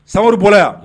Sari bɔra yan